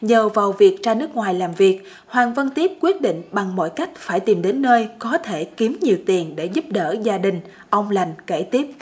nhờ vào việc ra nước ngoài làm việc hoàng văn tiếp quyết định bằng mọi cách phải tìm đến nơi có thể kiếm nhiều tiền để giúp đỡ gia đình ông lành kể tiếp